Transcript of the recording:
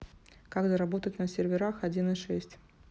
как заработать на серверах один и шесть